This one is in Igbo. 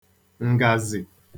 ǹgàzị̀